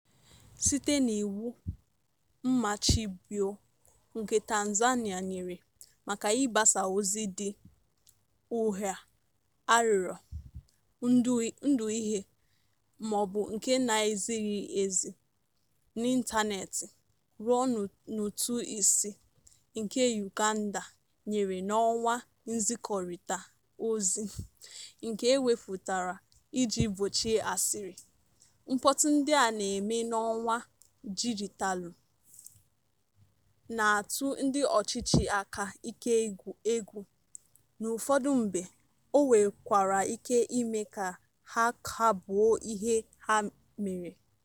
Site n'iwu mmachibio nke Tanzania nyere maka ịgbasa ozi dị "ụgha, aghụghọ, nduhie maọbụ nke na-ezighị ezi" n'ịntaneetị ruo n'ụtụisi nke Uganda nyere n'ọwa nzikọrịta ozi nke e wepụtara iji gbochie "asịrị", mkpọtụ ndị a na-eme n'ọwa dijitalụ na-atụ ndị ọchịchị aka ike égwù. N'ụfọdụ mgbe, o nwekwara ike ime ka ha kagbuo ihe ha mere.